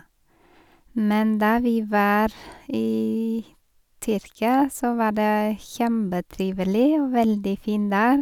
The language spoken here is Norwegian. Men da vi var i Tyrkia, så var det kjempetrivelig og veldig fin der.